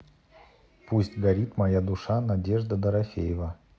пусть горит моя душа надежда дорофеева